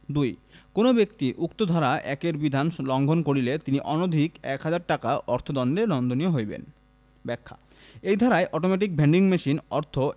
২ কোন ব্যক্তি উপ ধারা ১ এর বিধান লংঘন করিলে তিনি অনধিক এক হাজার টাকা অর্থ দন্ডে দন্ডনীয় হইবেন ব্যাখ্যাঃ এই ধারায় অটোমেটিক ভেন্ডিং মেশিন অর্থ